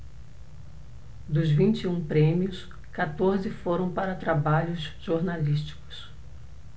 dos vinte e um prêmios quatorze foram para trabalhos jornalísticos